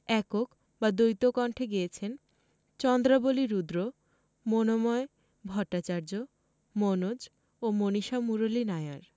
একক বা দ্বৈত কণ্ঠে গেয়েছেন চন্দ্রাবলি রুদ্র মনোময় ভট্টাচার্য মনোজ ও মনীষা মুরলী নায়ার